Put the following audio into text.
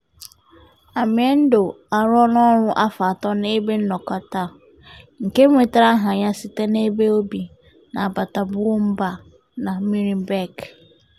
Amendo arụọla ọrụ afọ atọ n'ebe nnọkọta a, nke nwetere aha ya site n'ebe o bi n'agbata Boumba na mmiri Bek.